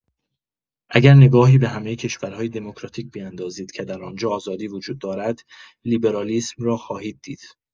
اگر نگاهی به همه کشورهای دموکراتیک بیندازید که در آنجا آزادی وجود دارد، لیبرالیسم را خواهید دید.